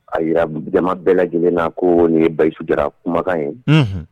Ka jira jama bɛɛ lajɛlenna ko nin ye Bayisu kumakan ye!unhun!